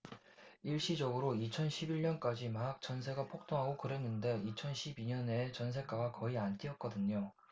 일시적으로 이천 십 일 년까지 막 전세가 폭등하고 그랬는데 이천 십 이 년에 전세가가 거의 안 뛰었거든요